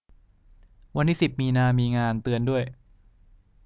วันที่สิบมีนามีงานเตือนด้วย